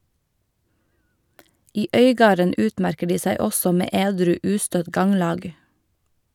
I Øygarden utmerker de seg også med edru ustøtt ganglag.